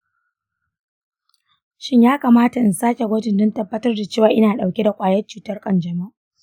shin ya kamata in sake gwajin don tabbatar da cewa ina dauke da ƙwayar cutar kanjamau?